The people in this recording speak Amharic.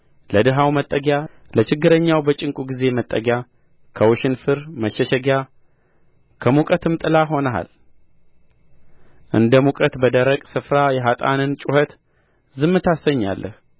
ለድሀው መጠጊያ ለችግረኛው በጭንቁ ጊዜ መጠጊያ ከውሽንፍር መሸሸጊያ ከሙቀትም ጥላ ሆነሃል እንደ ሙቀት በደረቅ ስፍራ የኀጥአንን ጩኸት ዝም ታሰኛለህ